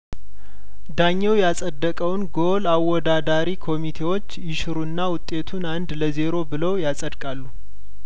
ዳኘው ያጸደቀውን ጐል አወዳዳሪ ኮሚቴዎች ይሽሩና ውጤቱን አንድ ለዜሮ ብለው ያጸድቃሉ